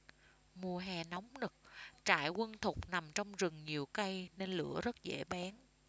mùa hè nóng nực trại quân thục nằm trong rừng nhiều cây nên lửa rất dễ bén